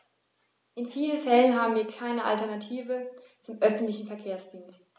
In vielen Fällen haben wir keine Alternative zum öffentlichen Verkehrsdienst.